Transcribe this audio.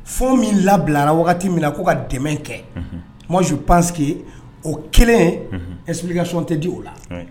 Fo min labilara wagati min na k'u ka dɛmɛ kɛju pansi que o kelen e ka sɔnon tɛ di o la